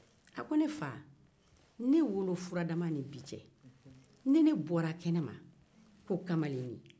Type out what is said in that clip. a ko ne fa ne wolofuradama ni bi cɛ ni ne bɔra kɛnɛma ko kamalennin